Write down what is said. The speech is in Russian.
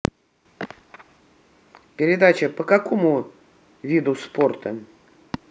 передача и по какому виду спорта